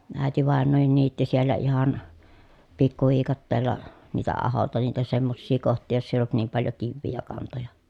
äitivainajakin niitti siellä ihan pikkuviikatteella niitä ahoilta niitä semmoisia kohtia jos ei ollut niin paljon kiviä ja kantoja